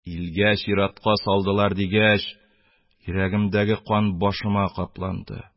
Илгә чиратка салдылар, дигәч, йөрәгемдәге кан башыма капланды